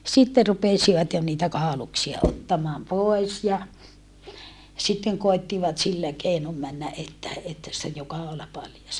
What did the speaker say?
sitten rupesivat jo niitä kauluksia ottamaan pois ja sitten koettivat sillä keinoin mennä että että sitten jo kaula paljas